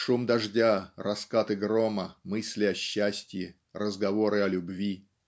шум дождя, раскаты грома, мысли о счастьи, разговоры о любви